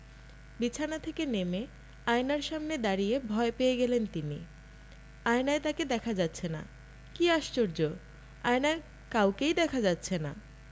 বিছানা থেকে নেমে আয়নার সামনে দাঁড়িয়ে ভয় পেয়ে গেলেন তিনি আয়নায় তাঁকে দেখা যাচ্ছে না কী আশ্চর্য আয়নায় কাউকেই দেখা যাচ্ছে না